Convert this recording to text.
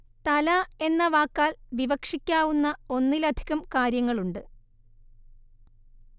തല എന്ന വാക്കാല്‍ വിവക്ഷിക്കാവുന്ന ഒന്നിലധികം കാര്യങ്ങളുണ്ട്